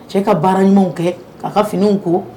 Cɛ ka baara ɲɔgɔnw kɛ k'a ka finiw ko